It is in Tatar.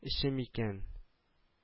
Эчем икән